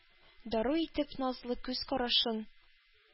Дару итеп назлы күз карашын,